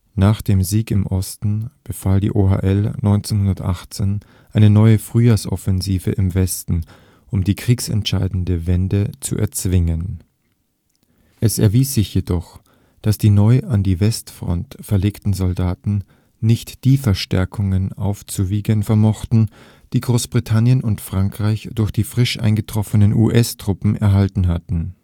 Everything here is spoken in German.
Nach dem Sieg im Osten befahl die OHL 1918 eine neue Frühjahrsoffensive im Westen, um die kriegsentscheidende Wende zu erzwingen. Es erwies sich jedoch, dass die neu an die Westfront verlegten Soldaten nicht die Verstärkungen aufzuwiegen vermochten, die Großbritannien und Frankreich durch die frisch eingetroffenen US-Truppen erhalten hatten